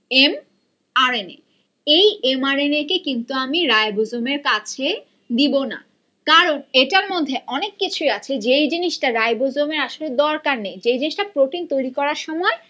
M R N A এই M R N A কে কিন্তু আমি রাইবোজোম এর কাছে দিব না কারণ এটার মধ্যে অনেক কিছুই আছে যেই জিনিসটা রাইবোজোমের আসলে দরকার নেই যে জিনিসটা প্রোটিন করার সময়